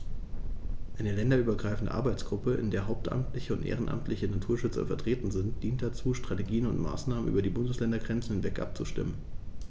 Eine länderübergreifende Arbeitsgruppe, in der hauptamtliche und ehrenamtliche Naturschützer vertreten sind, dient dazu, Strategien und Maßnahmen über die Bundesländergrenzen hinweg abzustimmen.